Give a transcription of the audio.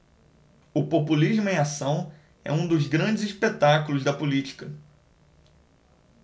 o populismo em ação é um dos grandes espetáculos da política